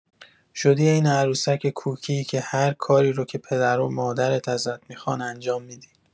شدی عین عروسک کوکی که هر کاری رو که پدر و مادرت ازت می‌خوان انجام می‌دی.